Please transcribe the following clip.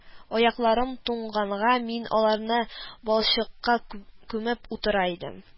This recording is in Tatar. Аякларым туңганга, мин аларны балчыкка күмеп утыра идем